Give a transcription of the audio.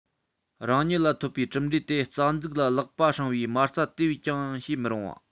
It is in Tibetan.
རང ཉིད ལ ཐོབ པའི གྲུབ འབྲས དེ རྩ འཛུགས ལ ལག པ བསྲིངས པའི མ རྩ དེ བས ཀྱང བྱེད མི རུང